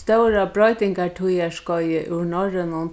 stóra broytingartíðarskeiðið úr norrønum